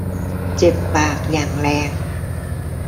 เจ็บปากอย่างแรง